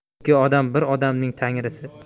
ikki odam bir odamning tangrisi